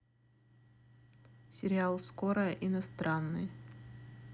сериал скорая иностранный